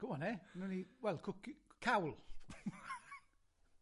Go on 'eh, wnewn ni wel, cwci- cawl!